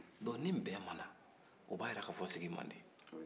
donc ni bɛn ma na o b'a jira k'a fɔ sigi man di